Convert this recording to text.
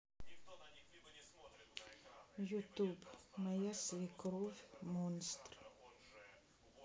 ютуб моя свекровь монстр